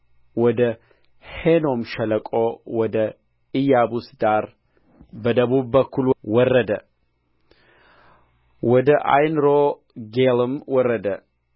ወደ ሄኖም ሸለቆ ወደ ኢያቡስ ዳር በደቡብ በኩል ወረደ ወደ ዓይንሮጌልም ወረደ